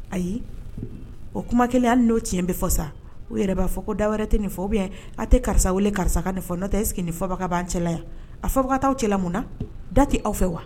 Ayi o kuma kelenya n'o ti bɛ fɔ sa u yɛrɛ b'a fɔ ko da wɛrɛ tɛ nin fɔ bɛ yan a tɛ karisa weele karisa nin fɔ n' tɛ sigi nin fɔbaga ka banan cɛla yan a fa ka t taaaw cɛla mun na da tɛ aw fɛ wa